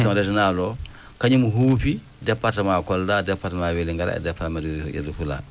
direction régional kañum huufi département Kolda département Véligara et département Médina Yoro Fula